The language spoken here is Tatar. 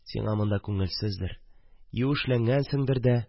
Сиңа монда күңелсездер, юешләнгәнсеңдер дә